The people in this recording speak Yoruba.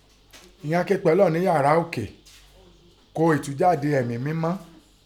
Igán ké pe Ọlọ́un nẹ́ yàrá orí òkè ún ẹ̀tújáde Èmí mẹ́mọ́.